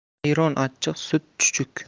ayron achchiq sut chuchuk